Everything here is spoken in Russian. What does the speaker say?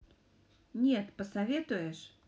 нет посоветуешь